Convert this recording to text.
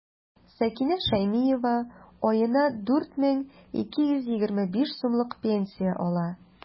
Сәкинә Шәймиева аена 4 мең 225 сумлык пенсия ала.